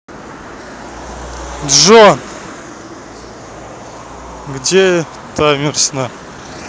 джой где таймер сна